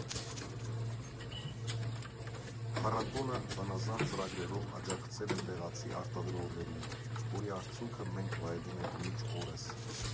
Փառատոնը զանազան ծրագրերով աջակցել է տեղացի արտադրողներին, որի արդյունքը մենք վայելում ենք մինչ օրս։